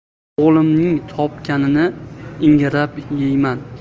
o'g'limning topganini ingrab yeyman